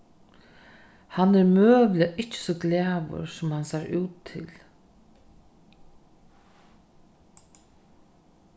hann er møguliga ikki so glaður sum hann sær út til